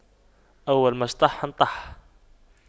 أول ما شطح نطح